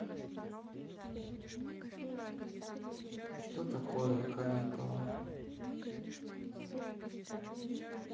что такое колипова